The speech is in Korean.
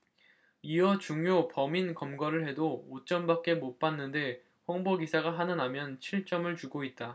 이어 중요 범인 검거를 해도 오 점밖에 못 받는데 홍보 기사가 하나 나면 칠 점을 주고 있다